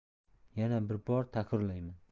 yana bir bor takrorlayman